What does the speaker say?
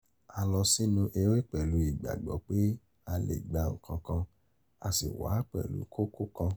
"A lọ sínú eré pẹ̀lú ìgbàgbọ́ pé a lè gba nnkankan a sì wà pẹ̀lú kókó kan.